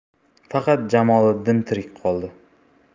faqat jamoliddin tirik qoldi